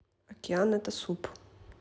океан это суп